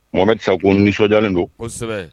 Mohamɛdi Sakɔ n nisɔndiyalen don, kosɛbɛ